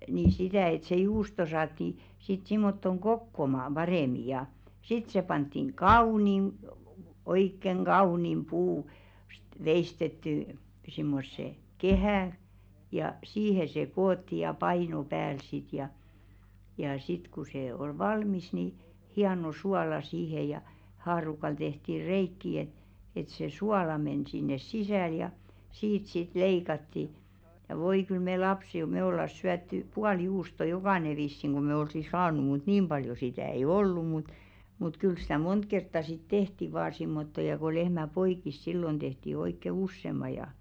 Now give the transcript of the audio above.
niin sitä että se juusto saatiin sitten semmottoon kokoaumaan paremmin ja sitten se pantiin kauniin oikein kauniin - puusta veistettyyn semmoiseen kehään ja siihen se koottiin ja paino päälle sitten ja ja sitten kun se oli valmis niin hieno suola siihen ja haarukalla tehtiin reikiä että että se suola meni sinne sisälle ja siitä sitten leikattiin ja voi kyllä me -- me oltaisiin syöty puoli juustoa jokainen vissiin kun me olisi saanut mutta niin paljon sitä ei ollut mutta mutta kyllä sitä monta kertaa sitten tehtiin vain semmottoon ja kun lehmä poiki silloin tehtiin oikein useamman ja